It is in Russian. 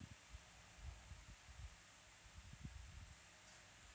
угадай ребусы